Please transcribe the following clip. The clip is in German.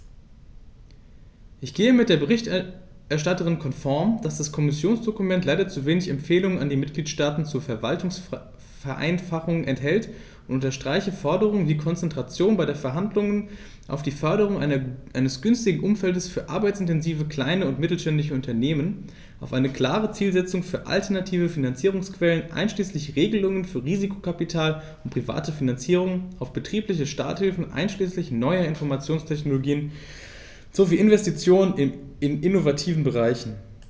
Ich gehe mit der Berichterstatterin konform, dass das Kommissionsdokument leider zu wenig Empfehlungen an die Mitgliedstaaten zur Verwaltungsvereinfachung enthält, und unterstreiche Forderungen wie Konzentration bei Verhandlungen auf die Förderung eines günstigen Umfeldes für arbeitsintensive kleine und mittelständische Unternehmen, auf eine klare Zielsetzung für alternative Finanzierungsquellen einschließlich Regelungen für Risikokapital und private Finanzierung, auf betriebliche Starthilfen einschließlich neuer Informationstechnologien sowie Investitionen in innovativen Bereichen.